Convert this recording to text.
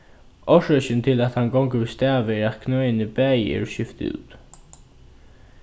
orsøkin til at hann gongur við stavi er at knøini bæði er skift út